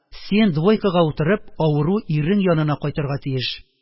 Син, двойкага утырып, авыру ирең янына кайтырга тиеш